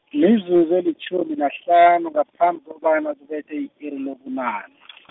mizuzu elitjhumi nahlanu, ngaphambi kobana kubethe i-iri lobunani .